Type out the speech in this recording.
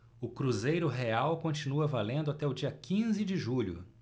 o cruzeiro real continua valendo até o dia quinze de julho